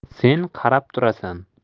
sen qarab turasan